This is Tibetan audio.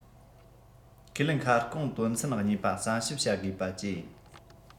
ཁས ལེན ཁ སྐོང དོན ཚན གཉིས པ བསམ ཞིབ བྱ དགོས པ བཅས ཡིན